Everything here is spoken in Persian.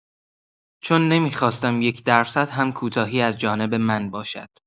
چون نمی‌خواستم یک درصد هم کوتاهی از جانب من باشد.